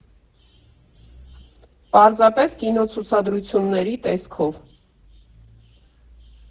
Պարզապես՝ կինոցուցադրությունների տեսքով։